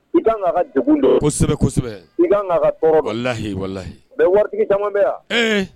I kan k'a ka degun dɔn kosɛbɛ kosɛbɛ i kan k'a ka tɔɔrɔ dɔn walahi walahi mɛ wɔritigi caaman bɛ yan ee